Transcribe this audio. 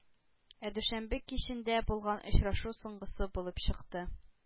Ә дүшәмбе кичендә булган очрашу соңгысы булып чыкты.